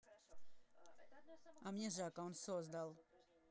а мне жака он создал